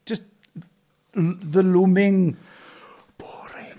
Jus m- the looming, boring...